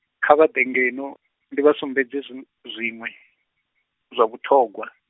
kha vha ḓe ngeno, ndi vha sumbedze zw- zwiṅwe, zwa vhuṱhogwa.